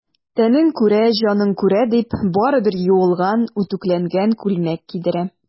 Тәнең күрә, җаның күрә,— дип, барыбер юылган, үтүкләнгән күлмәк кидерә.